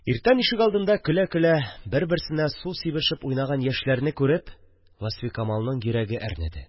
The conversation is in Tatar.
Иртән ишегалдында көлә-көлә бер-берсенә су сибешеп уйнаган яшьләрне күреп, Васфикамалның йөрәге әрнеде